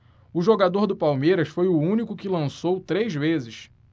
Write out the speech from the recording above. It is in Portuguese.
o jogador do palmeiras foi o único que lançou três vezes